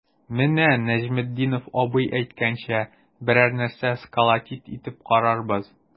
Менә Нәҗметдинов абый әйткәнчә, берәр нәрсә сколотить итеп карарбыз.